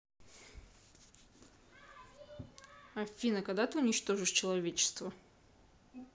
афина когда ты уничтожишь человечество